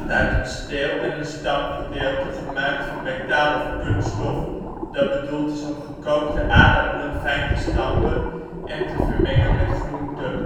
uit een steel en een stampgedeelte gemaakt van metaal of kunststof dat bedoeld is om gekookte aardappelen fijn te stampen en te vermengen met groenten